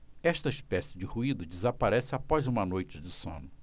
esta espécie de ruído desaparece após uma noite de sono